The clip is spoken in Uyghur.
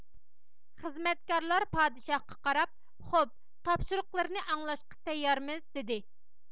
خىزمەتكارلار پادىشاھقا قاراپ خوپ تاپشۇرۇقلىرىنى ئاڭلاشقا تەييارمىز دىدى